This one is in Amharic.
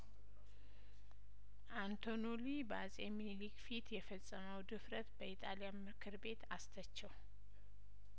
አንቶኔሊ በአጼምንሊክ ፊት የፈጸመው ድፍረት በኢጣሊያን ምክር ቤት አስተቸው